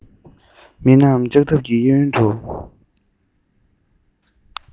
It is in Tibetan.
མི རྣམས ལྕགས ཐབ ཀྱི གཡས གཡོན དུ